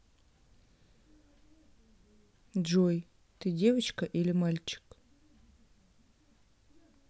джой ты девочка или мальчик